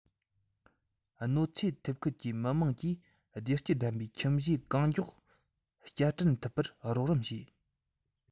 གནོད འཚེ ཐེབས ཁུལ གྱི མི དམངས ཀྱིས བདེ སྐྱིད ལྡན པའི ཁྱིམ གཞིས གང མགྱོགས བསྐྱར སྐྲུན ཐུབ པར རོགས རམ བྱས